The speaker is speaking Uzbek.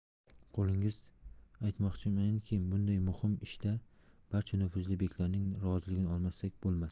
qulingiz aytmoqchimenkim bunday muhim ishda barcha nufuzli beklarning rizoligini olmasak bo'lmas